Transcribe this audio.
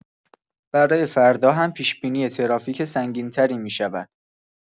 برای فردا هم پیش‌بینی ترافیک سنگین‌تری می‌شود.